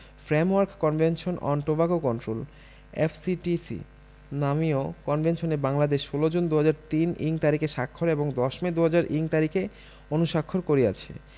framework convention on tobacco control F C T C নামীয় কনভেনশনে বাংলাদেশ ১৬ জুন ২০০৩ইং তারিখে স্বাক্ষর এবং ১০ মে ২০০৪ইং তারিখে অনুস্বাক্ষর করিয়াছে